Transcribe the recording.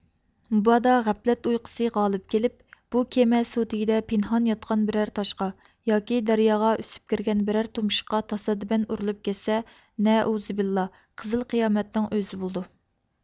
مۇبادا غەپلەت ئۇيقۇسى غالىپ كېلىپ بۇ كېمە سۇ تېگىدە پىنھان ياتقان بىرەر تاشقا ياكى دەرياغا ئۈسۈپ كىرگەن بىرەر تۇمشۇققا تاسادىپەن ئۇرۇلۇپ كەتسە نەئۇزۇبىللا قىزىل قىيامەتنىڭ ئۆزى بولىدۇ